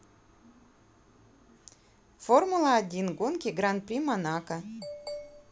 формула один гонки гран при монако